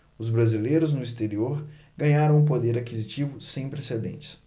os brasileiros no exterior ganharam um poder aquisitivo sem precedentes